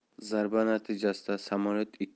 zarba natijasida samolyot